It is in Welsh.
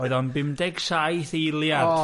Oedd o'n bumdeg saith eiliad.